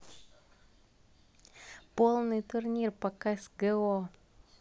полный турнир по ксго